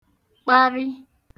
kparị